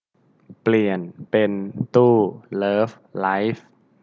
เปลี่ยนเป็นตู้เลิฟไลฟ์